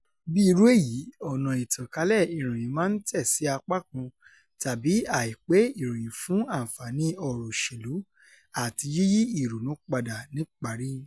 Bí irú èyí, ọ̀nà ìtànkálẹ̀ ìròyìn máa ń tẹ̀sí apá kan tàbí àìpé ìròyìn fún àǹfààní ọ̀rọ̀ òṣèlú àti yíyí ìrònú padà níparí.